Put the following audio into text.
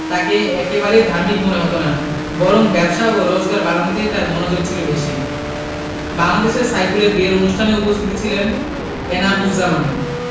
তাঁকে একেবারেই ধার্মিক মনে হতো না বরং ব্যবসা ও রোজগার বাড়ানোতেই তাঁর মনোযোগ ছিল বেশি বাংলাদেশে সাইফুলের বিয়ের অনুষ্ঠানেও উপস্থিতি ছিলেন এনাম উজজামান